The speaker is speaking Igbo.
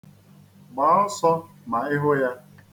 Gbaa ọsọ ma ị hụ ya.